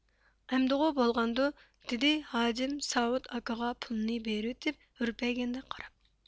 ئەمدىغۇ بولغاندۇ دېدى ھاجىم ساۋۇت ئاكىغا پۇلنى بېرىۋېتىپ ھۈرپەيگەندەك قاراپ